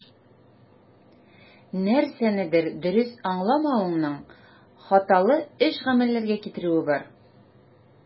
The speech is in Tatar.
Нәрсәнедер дөрес аңламавыңның хаталы эш-гамәлләргә китерүе бар.